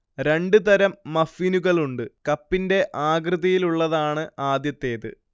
രണ്ടു തരം മഫ്ഫിനുകളുണ്ട്, കപ്പിന്റെ ആകൃതിയിലുള്ളതാണ് ആദ്യത്തേത്